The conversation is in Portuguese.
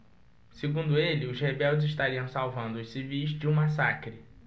segundo ele os rebeldes estariam salvando os civis de um massacre